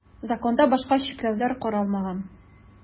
Законда башка чикләүләр каралмаган.